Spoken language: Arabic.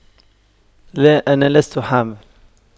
لا انا لست حامل